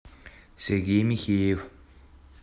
сергей михеев